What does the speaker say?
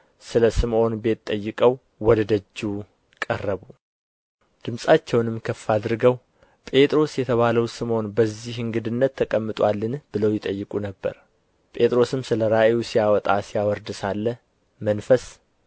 ስለ ስምዖን ቤት ጠይቀው ወደ ደጁ ቀረቡ ድምፃቸውንም ከፍ አድርገው ጴጥሮስ የተባለው ስምዖን በዚህ እንግድነት ተቀምጦአልን ብለው ይጠይቁ ነበር ጴጥሮስም ስለ ራእዩ ሲያወጣ ሲያወርድ ሳለ መንፈስ